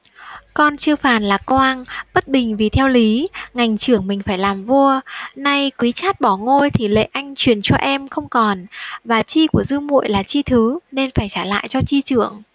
con chư phàn là quang bất bình vì theo lý ngành trưởng mình phải làm vua nay quý trát bỏ ngôi thì lệ anh truyền cho em không còn và chi của dư muội là chi thứ nên phải trả lại cho chi trưởng